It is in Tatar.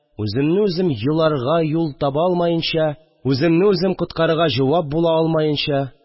Үземне үзем йоларга юл таба алмаенча, үземне үзем коткарырга җавап була алмаенча